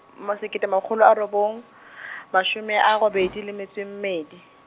ma sekete makgolo robong , mashome a robedi, le metso e mmedi.